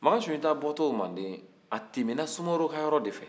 makan sunjata bɔtɔ manden a tɛmɛ na sumaworo ka yɔrɔ de fɛ